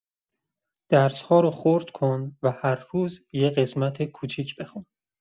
درس‌ها رو خرد کن و هر روز یه قسمت کوچیک بخون.